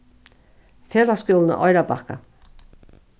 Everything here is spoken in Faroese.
felagsskúlin á oyrarbakka